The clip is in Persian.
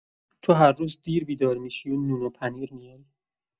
تو هر روز دیر بیدار می‌شی و نون و پنیر میاری.